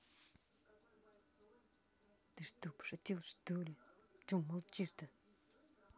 ты что пошутил что ли что молчишь то